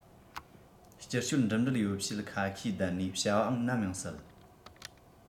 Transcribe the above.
སྤྱི སྤྱོད འགྲིམ འགྲུལ ཡོ བྱད ཁ ཤས བསྡད ནས བྱ བའང ནམ ཡང སྲིད